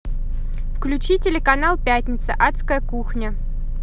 включи телеканал пятница адская кухня